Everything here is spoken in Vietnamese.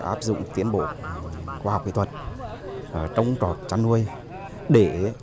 áp dụng tiến bộ khoa học kỹ thuật trông trọt chăn nuôi để